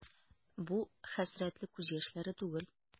Бу хәсрәтле күз яшьләре түгел.